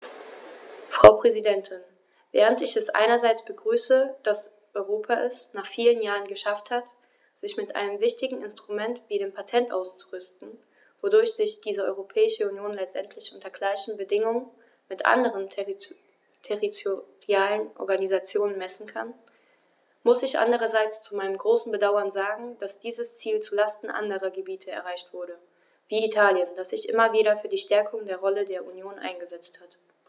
Frau Präsidentin, während ich es einerseits begrüße, dass Europa es - nach vielen Jahren - geschafft hat, sich mit einem wichtigen Instrument wie dem Patent auszurüsten, wodurch sich die Europäische Union letztendlich unter gleichen Bedingungen mit anderen territorialen Organisationen messen kann, muss ich andererseits zu meinem großen Bedauern sagen, dass dieses Ziel zu Lasten anderer Gebiete erreicht wurde, wie Italien, das sich immer wieder für die Stärkung der Rolle der Union eingesetzt hat.